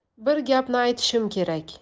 bir gapni aytishim kerak